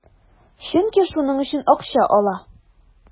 Чөнки шуның өчен акча ала.